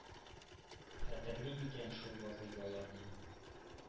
Хәтерли микән шул вакыйгаларны?